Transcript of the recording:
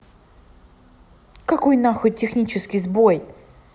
какой нахуй технический сбой